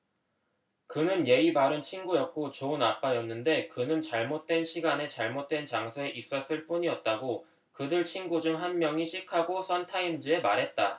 그는 예의 바른 친구였고 좋은 아빠였는데 그는 잘못된 시간에 잘못된 장소에 있었을 뿐이었다고 그들 친구 중 한 명이 시카고 선타임스에 말했다